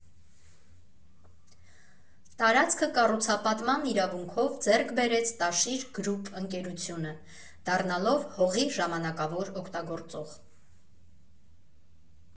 Տարածքը կառուցապատման իրավունքով ձեռք բերեց «Տաշիր գրուպ» ընկերությունը՝ դառնալով հողի ժամանակավոր օգտագործող։